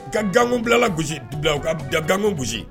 Ka gko bilala gosi bila u ka gako gosi